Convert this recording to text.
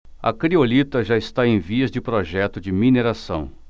a criolita já está em vias de projeto de mineração